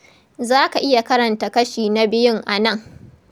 Za ka iya karanta kashi na biyun a nan.